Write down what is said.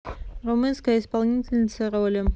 румынская исполнительница роли